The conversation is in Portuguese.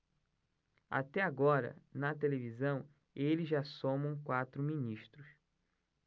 até agora na televisão eles já somam quatro ministros